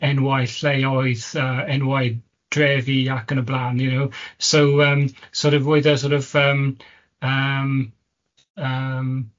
enwau lleoedd, yy enwau drefi ac yn y blaen you know, so yym sor' of roedd e sor' of yym yym yym